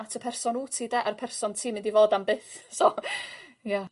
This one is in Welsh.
at y person wt ti 'de a'r person ti'n mynd i fod am byth so ia.